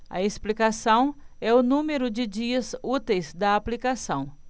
a explicação é o número de dias úteis da aplicação